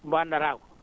mbo anndaraako